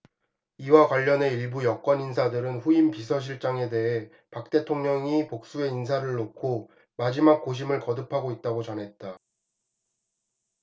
이와 관련해 일부 여권인사들은 후임 비서실장에 대해 박 대통령이 복수의 인사를 놓고 마지막 고심을 거듭하고 있다고 전했다